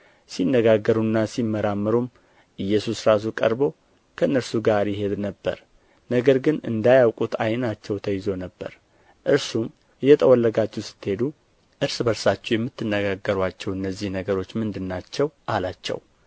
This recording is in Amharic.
ሲነጋገሩና ሲመራመሩም ኢየሱስ ራሱ ቀርቦ ከእነርሱ ጋር ይሄድ ነበር ነገር ግን እንዳያውቁት ዓይናቸው ተይዞ ነበር እርሱም እየጠወለጋችሁ ስትሄዱ እርስ በርሳችሁ የምትነጋገሩአቸው እነዚህ ነገሮች ምንድር ናቸው አላቸው